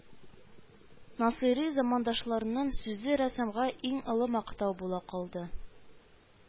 Насыйри замандашларының сүзе рәссамга иң олы мактау була калды